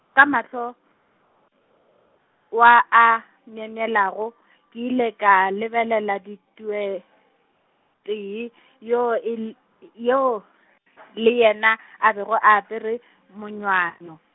ka mahlo, wa a myemyelago, ke ile ka lebelela Teduetee , yo e l- , yoo , le yena a bego a apere, monanyo.